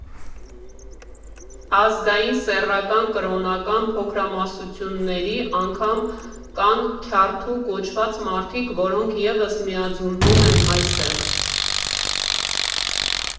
Ազգային, սեռական, կրոնական փոքրամասնությունների, անգամ կան քյարթու կոչված մարդիկ, որոնք ևս միաձուլվում են այստեղ։